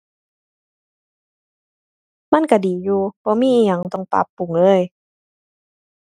มันก็ดีอยู่ บ่มีอิหยังต้องปรับปรุงเลย